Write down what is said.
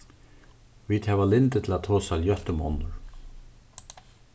vit hava lyndi til at tosa ljótt um onnur